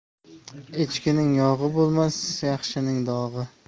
echkining yog'i bo'lmas yaxshining dog'i